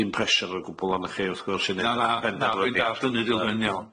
Dim preshyr o gwbwl arnoch chi wrth gwrs... Na na na dwi'n dalld hynny Dilwyn yn iawn...